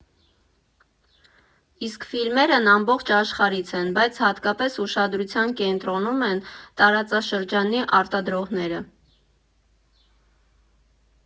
Իսկ ֆիլմերն ամբողջ աշխարհից են, բայց հատկապես ուշադրության կենտրոնում են տարածաշրջանի արտադրողները։